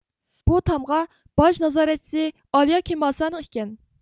بۇ تامغا باج نازارەتچىسى ئالياكېمماسانىڭ ئىكەن